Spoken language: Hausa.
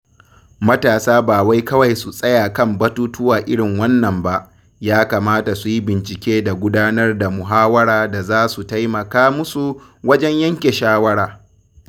Matasa ba wai kawai su tsaya kan batutuwa irin wannan ba, ya kamata su yi bincike da gudanar da muhawara da za su taimaka musu wajen yanke shawara.